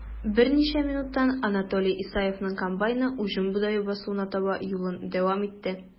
Берничә минуттан Анатолий Исаевның комбайны уҗым бодае басуына таба юлын дәвам итте.